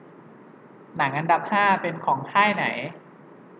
หนังอันดับห้าเป็นของค่ายไหน